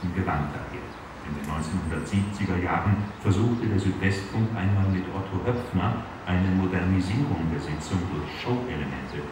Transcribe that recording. Gewand daher. In den 1970er Jahren versuchte der Südwestfunk einmal mit Otto Höpfner eine Modernisierung der Sitzung durch Showelemente